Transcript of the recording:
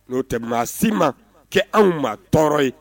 'o tɛ maa si ma kɛ anw ma tɔɔrɔ ye